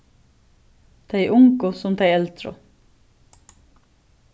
tey ungu sum tey eldru